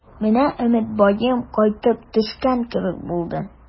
Менә Өметбаем кайтып төшкән кебек булды.